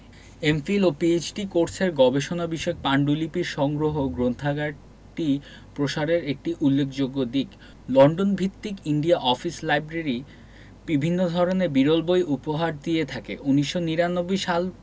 MPhil ও PhD কোর্সের গবেষণা বিষয়ক পান্ডুলিপির সংগ্রহ গ্রন্থাগারটি প্রসারের একটি উল্লেখযোগ্য দিক লন্ডন ভিত্তিক ইন্ডিয়া অফিস লাইব্রেরি বিভিন্ন ধরনের বিরল বই উপহার দিয়ে থাকে ১৯৯৯ সাল